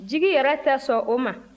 jigi yɛrɛ tɛ sɔn o ma